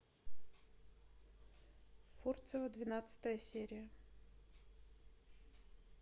фурцева двенадцатая серия